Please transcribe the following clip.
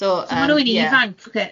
So yym, ie.